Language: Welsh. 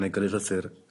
...neu gyrru llythyr.